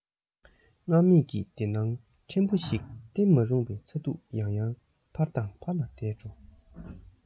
སྔར མེད ཀྱི བདེ སྣང ཕྲན བུ ཞིག སྟེར མ རུངས པའི ཚ གདུག ཡང ཡང ཕར དང ཕར ལ བདས འགྲོ